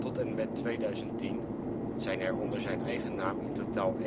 Tot en met 2010 zijn er onder zijn eigen naam in totaal